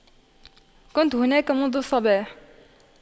كنت هناك منذ الصباح